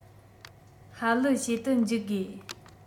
ཧ ལི བྱེད དུ འཇུག དགོས